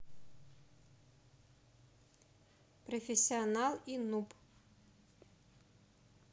профессионал и нуб